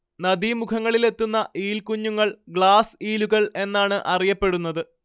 നദീമുഖങ്ങളിലെത്തുന്ന ഈൽക്കുഞ്ഞുങ്ങൾ ഗ്ലാസ് ഈലുകൾ എന്നാണ് അറിയപ്പെടുന്നത്